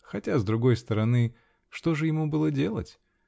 хотя, с другой стороны, что же ему было сделать?